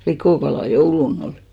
likokalaa jouluna oli